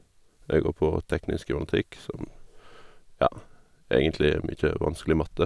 Jeg går på teknisk kybernetikk, som, ja, egentlig er mye vanskelig matte.